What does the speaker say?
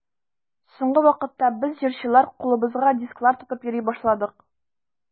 Соңгы вакытта без, җырчылар, кулыбызга дисклар тотып йөри башладык.